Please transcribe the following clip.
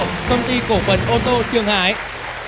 công ty cổ phần ô tô trường hải